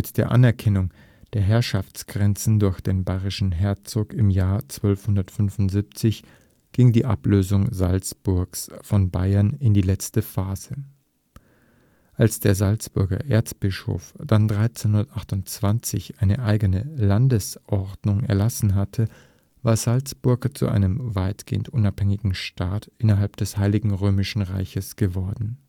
der Anerkennung der Herrschaftsgrenzen durch den bayerischen Herzog im Jahr 1275 ging die Ablösung Salzburgs von Bayern in ihre letzte Phase. Als der Salzburger Erzbischof dann 1328 eine eigene Landesordnung erlassen hatte, war Salzburg zu einem weitgehend unabhängigen Staat innerhalb des „ Heiligen Römischen Reiches “geworden